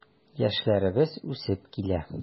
Яшьләребез үсеп килә.